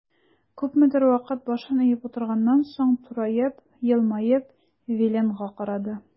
Күпмедер вакыт башын иеп утырганнан соң, тураеп, елмаеп Виленга карады.